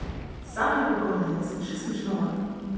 самые прикольные рассмеши смешного